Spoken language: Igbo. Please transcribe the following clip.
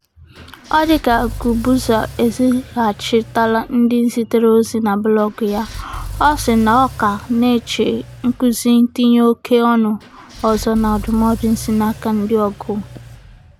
Ọ dị ka Guebuza ezighachitela ndị zitere ozi na Blọọgụ ya, ọ sịrị na ọ ka na-eche nkụzi ntinye oke ọnụ ọzọ na ndụmọdụ si n'aka ndị ọgụụ.